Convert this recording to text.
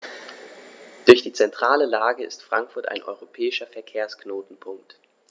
Durch die zentrale Lage ist Frankfurt ein europäischer Verkehrsknotenpunkt.